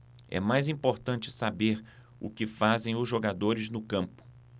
é mais importante saber o que fazem os jogadores no campo